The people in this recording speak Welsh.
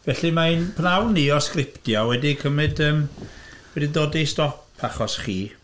Felly mae'n pnawn ni o sgriptio wedi cymyd, yym... wedi dod i stop achos chi.